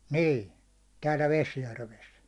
niin täällä Vesijärvessä